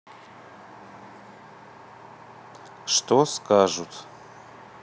что скажут